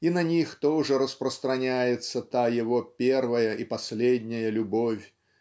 и на них тоже распространяется та его первая и последняя любовь